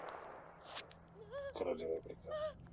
королева крика